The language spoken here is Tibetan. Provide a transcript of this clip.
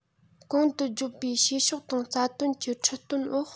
གོང དུ བརྗོད པའི བྱེད ཕྱོགས དང རྩ དོན གྱི ཁྲིད སྟོན འོག